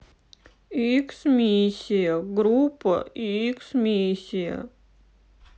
икс миссия группа икс миссия